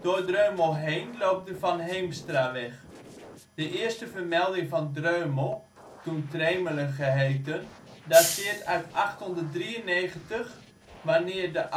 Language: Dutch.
Door Dreumel loopt de Van Heemstraweg. De eerste vermelding van Dreumel, toen Tremele geheten, dateert uit 893 n.Chr. wanneer de abdij